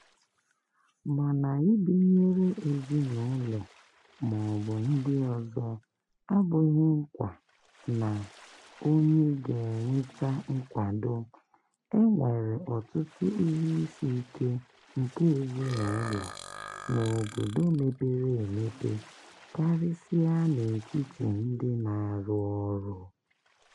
Mana ibinyere ezinụlọ maọbụ ndị ọzọ abụghị nkwa na onye ga na-enweta nkwado. E nwere ọtụtụ ihe isiike nke ezinụlọ n'obodo mepere emepe, karịsịa n'etiti ndị na-arụ ọrụ.